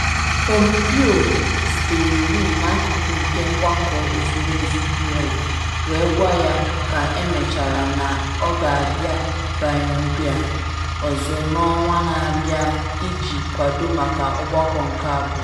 Pompeo zutere Ri n’akụkụ nke Mgbakọ Ezumezu U.N. wee gwa ya ka emechara na ọ ga-abịa Pyongyang ọzọ n’ọnwa na-abịa iji kwado maka ọgbakọ nke abụọ.